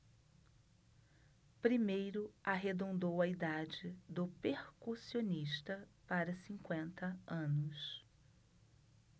primeiro arredondou a idade do percussionista para cinquenta anos